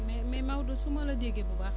mais mais Maodo su ma la déggee bu baax